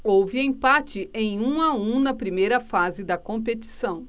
houve empate em um a um na primeira fase da competição